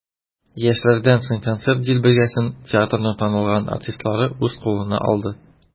Яшьләрдән соң концерт дилбегәсен театрның танылган артистлары үз кулына алды.